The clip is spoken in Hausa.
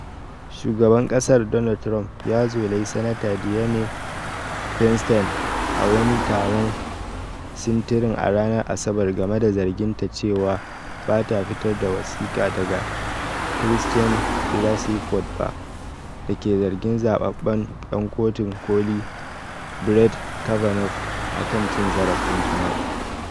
Shugaban kasar Donald Trump ya zolayi Sanata Dianne Feinstein a wani taron sintirin a ranar Asabar game da zarginta cewa ba ta fitar da wasika daga Christine Blasey Ford ba, da ke zargin zababben dan Kotun Koli Brett Kavanaugh akan cin zarafin jima'i.